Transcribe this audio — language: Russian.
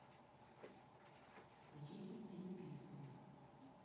очистить переписку